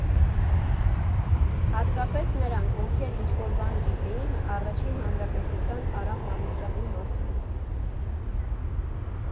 Հատկապես նրանք, ովքեր ինչ֊որ բան գիտեին Առաջին Հանրապետության Արամ Մանուկյանի մասին։